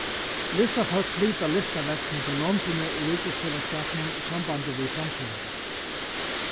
listafólk flyta listaverk millum londini í ríkisfelagsskapinum í sambandi við framsýningar